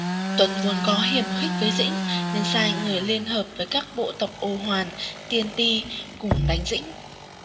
tuấn vốn có hiềm khích với dĩnh nên sai người liên hợp với các bộ tộc ô hoàn tiên ty cùng đánh dĩnh